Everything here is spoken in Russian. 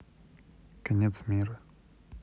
конец мира